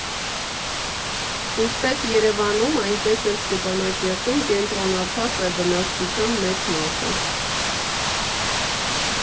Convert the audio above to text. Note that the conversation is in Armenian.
Ինչպես Երևանում, այնպես էլ Ստեփանակերտում կենտրոնացած է բնակչության մեծ մասը։